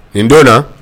Nin don na